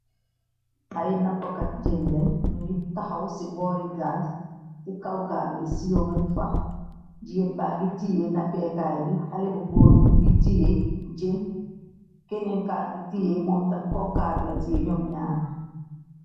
Ay nappakat jén lañ nu ngi taxaw ci boori gaal ci kawgaal bi siomuñ fax jigeen ba ngi tiyé napeekaay bi xale bu góor bi mu ngi tié jeen keneen ka ngi tiyée moom tamet konkaare la tiyé ñoom ñyarr.